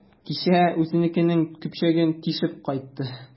Кичә үзенекенең көпчәген тишеп кайтты.